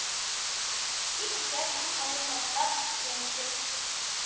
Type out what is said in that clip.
Син үтәрсең, аны таптап, яньчеп,